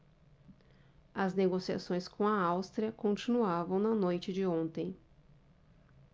as negociações com a áustria continuavam na noite de ontem